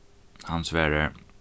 hann svarar